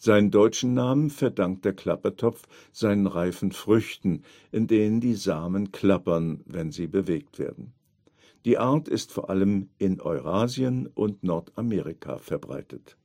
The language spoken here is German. Seinen deutschen Namen verdankt der Klappertopf seinen reifen Früchten, in denen die Samen klappern, wenn sie bewegt werden. Die Art ist vor allem in Eurasien und Nordamerika verbreitet